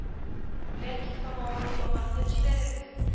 —бәлки самавырны яңартып җибәрербез